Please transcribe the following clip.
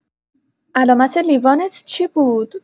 علامت لیوانت چی بود؟